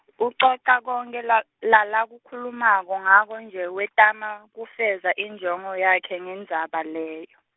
ucoca konkhe la lalakhuluma ngako nje wetama, kufeza injongo yakhe ngendzaba leyo.